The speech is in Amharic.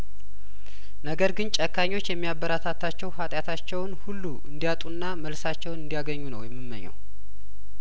ነገር ግን ጨካኞች የሚያበረታታቸው ሀጢአታቸውን ሁሉ እንዲያጡና መልሳቸውን እንዲያገኙ ነው የምመኘው